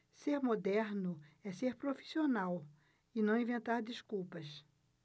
ser moderno é ser profissional e não inventar desculpas